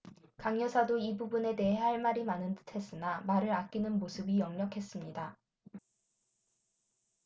강여사도 이 부분에 대해 할 말이 많은듯 했으나 말을 아끼는 모습이 역력했습니다